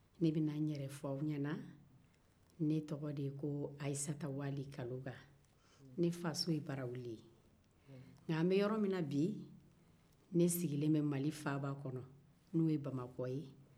ne bɛ na n yɛrɛ fɔ aw ɲɛ na ne tɔgɔ de ye ayisata wali kaloga ne faso ye barawuli ye nka an bɛ yɔrɔ min na bi ne sigilen bɛ mali faaba kɔnɔ n'o ye bamakɔ ye